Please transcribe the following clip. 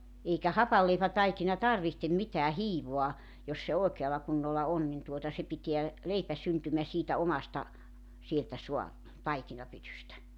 eikä hapanleipätaikina tarvitse mitään hiivaa jos se oikealla kunnolla on niin tuota se pitää leipä syntymän siitä omasta sieltä saa taikinapytystä